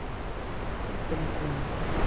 Туп белән уйна.